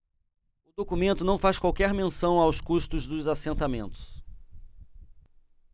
o documento não faz qualquer menção aos custos dos assentamentos